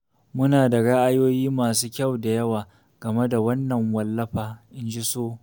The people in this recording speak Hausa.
Muna da ra’ayoyi masu kyau da yawa game da wannan wallafa. In ji Sow.